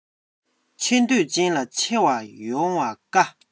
ཆེ འདོད ཅན ལ ཆེ བ ཡོང བ དཀའ